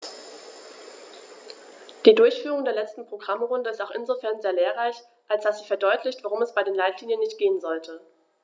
Die Durchführung der letzten Programmrunde ist auch insofern sehr lehrreich, als dass sie verdeutlicht, worum es bei den Leitlinien nicht gehen sollte.